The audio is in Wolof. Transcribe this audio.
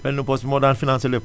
benn poche moo daan financé lépp